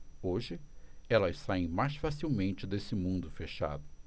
hoje elas saem mais facilmente desse mundo fechado